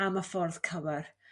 am y ffordd cywer